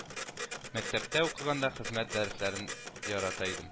Мәктәптә укыганда хезмәт дәресләрен ярата идем